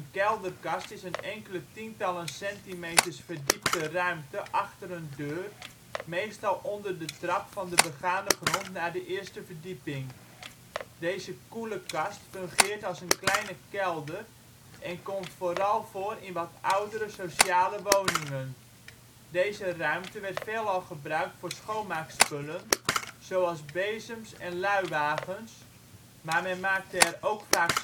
kelderkast is een enkele tientallen centimeters verdiepte ruimte achter een deur; meestal onder de trap van de begane grond naar de eerste verdieping. Deze koele kast fungeert als een kleine kelder en komt vooral voor in de wat oudere sociale woningen. Deze ruimte werd veelal gebruikt voor schoonmaakspullen zoals bezems en luiwagens, maar men maakte er ook vaak schappen